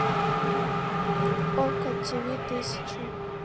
окко тв тысяча